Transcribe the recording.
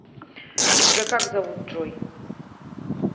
тебя как зовут джой